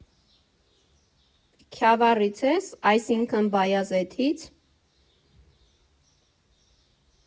Քյավառից ե՞ս, այսինք՝ Բայազետի՞ց։